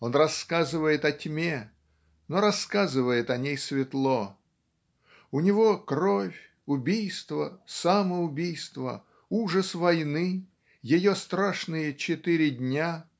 Он рассказывает о тьме, но рассказывает о ней светло. У него кровь убийство самоубийство ужас войны ее страшные "четыре дня"